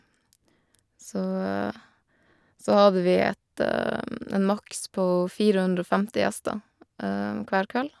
så Så hadde vi et en maks på fire hundre og femti gjester hver kveld.